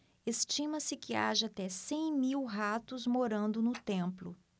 estima-se que haja até cem mil ratos morando no templo